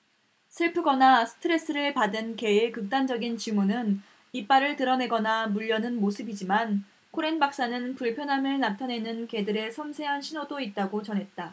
슬프거나 스트레스를 받은 개의 극단적인 징후는 이빨을 드러내거나 물려는 모습이지만 코렌 박사는 불편함을 나타내는 개들의 섬세한 신호도 있다고 전했다